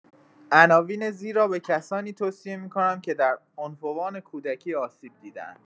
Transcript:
عناوین زیر را به کسانی توصیه می‌کنم که در عنفوان کودکی آسیب دیده‌اند.